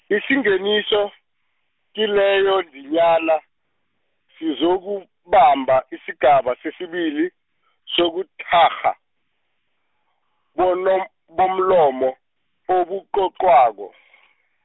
isingeniso, kileyondinyana, sizokubamba isigaba sesibili , sobuthakgha, bonom- bomlomo, obucocwako .